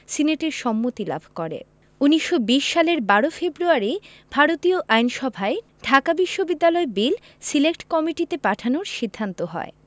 সিনেটের সম্মতি লাভ করে ১৯২০ সালের ১২ ফেব্রুয়ারি ভারতীয় আইনসভায় ঢাকা বিশ্ববিদ্যালয় বিল সিলেক্ট কমিটিতে পাঠানোর সিদ্ধান্ত হয়